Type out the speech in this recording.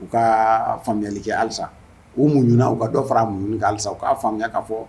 U ka faamuyayali kɛ halisa u munɲuna u ka dɔ fara mununi halisa u k'a faamuyaya ka fɔ